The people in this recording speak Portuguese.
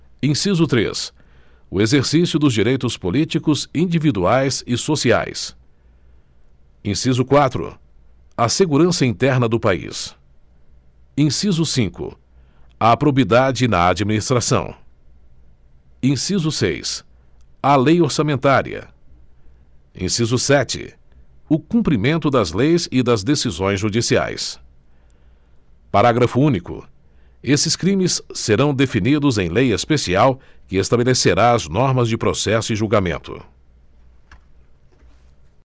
inciso três o exercício dos direitos políticos individuais e sociais inciso quatro a segurança interna do país inciso cinco a probidade na administração inciso seis a lei orçamentária inciso sete o cumprimento das leis e das decisões judiciais parágrafo único esses crimes serão definidos em lei especial que estabelecerá as normas de processo e julgamento